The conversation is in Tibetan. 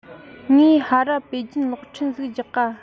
ངས ཧར ར པེ ཅིན གློག འཕྲིན ཟིག རྒྱག ག